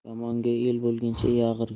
yomonga el bo'lguncha